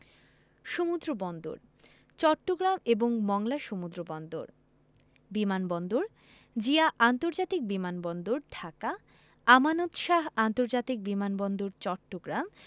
সমুদ্রবন্দরঃ চট্টগ্রাম এবং মংলা সমুদ্রবন্দর বিমান বন্দরঃ জিয়া আন্তর্জাতিক বিমান বন্দর ঢাকা আমানত শাহ্ আন্তর্জাতিক বিমান বন্দর চট্টগ্রাম